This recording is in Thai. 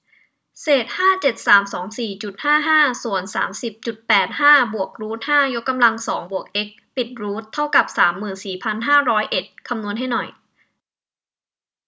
เศษห้าเจ็ดสามสองสี่จุดห้าห้าส่วนสามสิบจุดแปดห้าบวกรูทห้ายกกำลังสองบวกเอ็กซ์ปิดรูทเท่ากับสามหมื่นสี่พันห้าร้อยเอ็ดคำนวณให้หน่อย